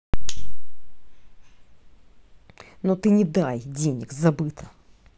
но ты не дай денег забыто